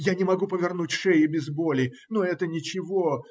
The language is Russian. - Я не могу повернуть шеи без боли. Но это ничего.